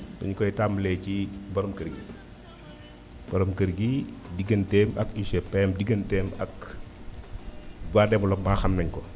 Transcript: dañu koy tàmbalee ci borom kër gi borom kër gi digganteem ak UGPM digganteem ak waa développement xam nañu ko